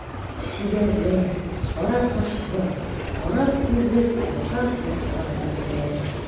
Чибәрләр, кара кашлы, кара күзле таза татар егетләре.